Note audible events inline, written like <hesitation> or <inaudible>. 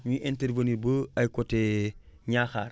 ñuy intervenir ba ay côté <hesitation> Niakhare